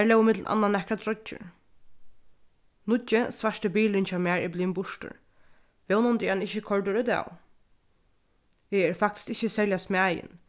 har lógu millum annað nakrar troyggjur nýggi svarti bilurin hjá mær er blivin burtur vónandi er hann ikki koyrdur útav eg eri faktiskt ikki serliga smæðin